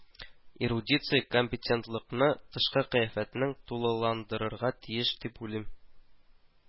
Эрудиция, компетентлыкны тышкы кыяфәтең тулыландырырга тиеш, дип уйлыйм